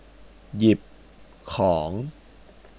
หยิบของ